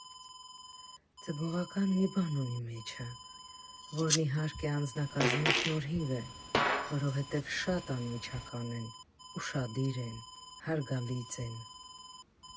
Ձգողական մի բան ունի մեջը, որն իհարկե անձնակազմի շնորհիվ է, որովհետև շատ անմիջական են, ուշադիր են, հարգալից են։